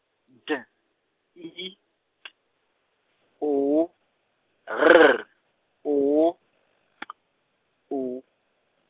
D, I, T, O, R, O, P, O.